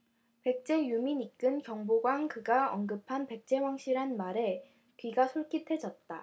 백제 유민 이끈 경복왕그가 언급한 백제왕씨란 말에 귀가 솔깃해졌다